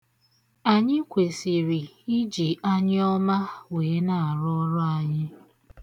Anyị kwesiri iji anyọọma wee na-arụ ọrụ anyị.